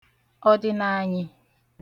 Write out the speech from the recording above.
ọ̀dị̀nàànyị̀